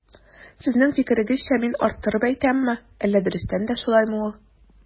Сезнең фикерегезчә мин арттырып әйтәмме, әллә дөрестән дә шулаймы ул?